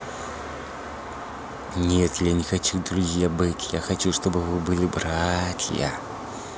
нет я не хочу друзья быть я хочу чтобы вы были братья